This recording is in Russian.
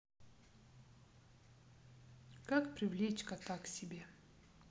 как привлечь кота к себе